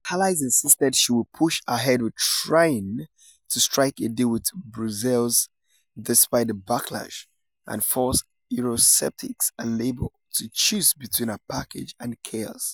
Allies insisted she will push ahead with trying to strike a deal with Brussels despite the backlash - and force Eurosceptics and Labour to choose between her package and 'chaos'.